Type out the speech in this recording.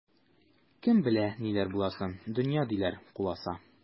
Кем белә ниләр буласын, дөнья, диләр, куласа.